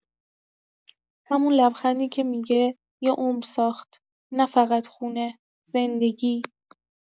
همون لبخندی که می‌گه یه عمر ساخت، نه‌فقط خونه، زندگی.